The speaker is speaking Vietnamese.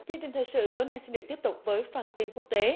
chương trình thời sự tối nay xin được tiếp tục với phần tin quốc tế